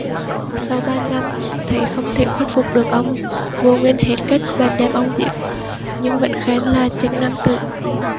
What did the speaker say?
sau ba năm thấy không thể khuất phục được ông vua nguyên hết cách bèn đem ông giết nhưng vẫn khen là chân nam tử